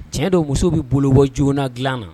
Tiɲɛ dɔ muso bɛ bolo bɔ joona dilan na